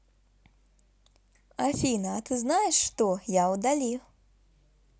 афина а ты знаешь что я удали